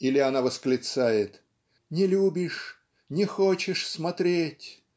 Или она восклицает: Не любишь, не хочешь смотреть.